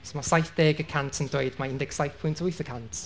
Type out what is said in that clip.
so ma' saithdeg y cant yn dweud mai undeg saith pwynt wyth y cant